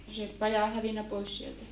no se paja on hävinnyt pois sieltä